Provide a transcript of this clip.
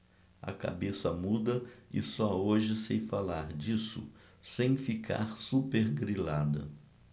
a cabeça muda e só hoje sei falar disso sem ficar supergrilada